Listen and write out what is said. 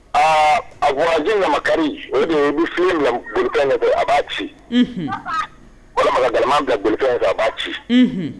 Aa a bɔrajɛ ɲamakalakari o de bɛ fi de a b'a ci ala ga bila boli kan a b'a ci